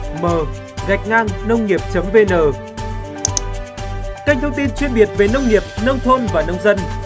mờ gạch ngang nông nghiệp chấm vê nờ kênh thông tin chuyên biệt về nông nghiệp nông thôn và nông dân